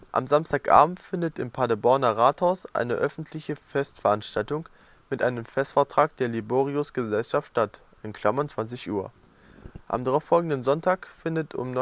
Am Samstagabend findet im Paderborner Rathaus eine öffentliche Festveranstaltung mit einem Festvortrag der Liborius-Gesellschaft statt (20 Uhr). Am darauffolgenden Sonntag findet um